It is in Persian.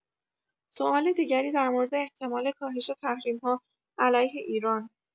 سوال دیگری در مورد احتمال کاهش تحریم‌ها علیه ایران